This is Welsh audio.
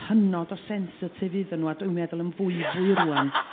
hynod o sensatif iddon nhw a dwi'n meddwl yn fwy fwy rwan